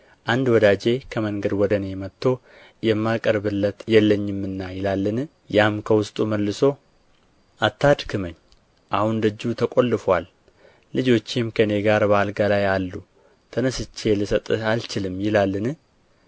አንድ ወዳጄ ከመንገድ ወደ እኔ መጥቶ የማቀርብለት የለኝምና ይላልን ያም ከውስጥ መልሶ አታድክመኝ አሁን ደጁ ተቈልፎአል ልጆቼም ከእኔ ጋር በአልጋ ላይ አሉ ተነሥቼ ልሰጥህ አልችልም ይላልን